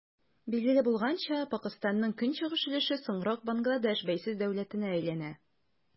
Билгеле булганча, Пакыстанның көнчыгыш өлеше соңрак Бангладеш бәйсез дәүләтенә әйләнә.